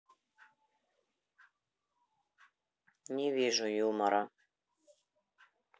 не вижу юмора